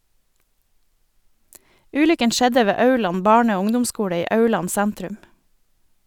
Ulykken skjedde ved Aurland barne- og ungdomsskole i Aurland sentrum.